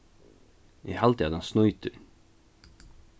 eg haldi at hann snýtir